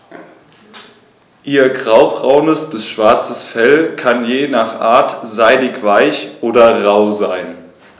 Ihr graubraunes bis schwarzes Fell kann je nach Art seidig-weich oder rau sein.